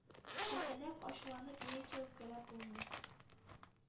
Шелтәләп, ачуланып яисә үпкәләп булмый.